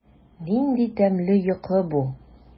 Нинди тәмле йокы бу!